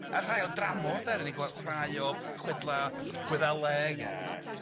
a rhai o dramor 'de, 'dan ni'n gweld rhai o chwedla Gwyddeleg a